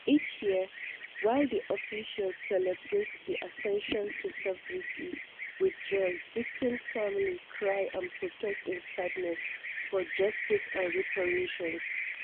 Each year, while the officials celebrate the ascension to sovereignty with joy, the victims’ families cry and protest in sadness for justice and reparations.